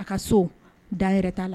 A a ka so da yɛrɛ t'a la